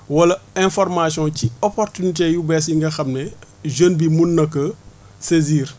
wala information ci opportunité yu bees yi nga xam ne jeune bi mun na ko saisir